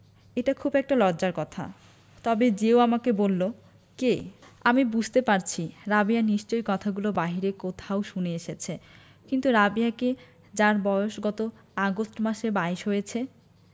এটা খুব একটা লজ্জার কথা তবে যে ও আমাকে বললো কে আমি বুঝতে পারছি রাবেয়া নিশ্চয়ই কথাগুলো বাইরে কোথাও শুনে এসেছে কিন্তু রাবেয়াকে যার বয়স গত আগস্ট মাসে বাইশ হয়েছে